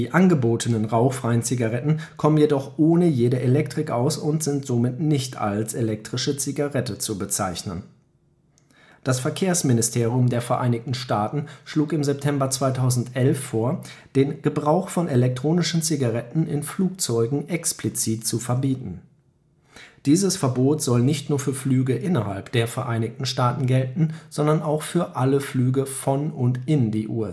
angebotenen rauchfreien Zigaretten kommen jedoch ohne jede Elektrik aus und sind somit nicht als elektrische Zigaretten zu bezeichnen. Das Verkehrsministerium der Vereinigten Staaten schlug im September 2011 vor, „ den Gebrauch von elektronischen Zigaretten in Flugzeugen explizit zu verbieten “. Dieses Verbot soll nicht nur für Flüge innerhalb der Vereinigten Staaten gelten, sondern für alle Flüge von und in die USA